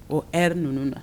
Ɔ hɛrɛ yɛrɛ ninnu na